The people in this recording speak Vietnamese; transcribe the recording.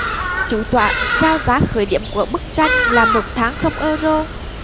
chủ tọa rao giá khởi điểm của bức tranh là một tháng không euro